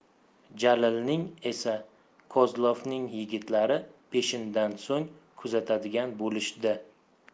jalilni esa kozlovning yigitlari peshindan so'ng kuzatadigan bo'lishdi